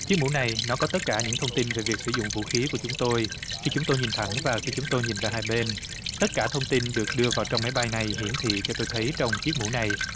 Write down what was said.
chiếc mũ này nó có tất cả những thông tin về việc sử dụng vũ khí của chúng tôi khi chúng tôi nhìn thẳng và khi chúng tôi nhìn ra hai bên tất cả thông tin được đưa vào trong máy bay này hiển thị cho tôi thấy trong chiếc mũ này